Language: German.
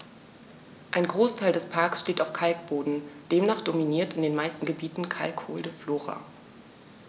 Ein Großteil des Parks steht auf Kalkboden, demnach dominiert in den meisten Gebieten kalkholde Flora.